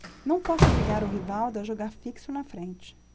não posso obrigar o rivaldo a jogar fixo na frente